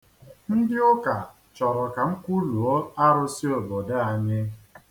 Ndị ụka chọrọ ka m kwuluo arụsị obodo anyị.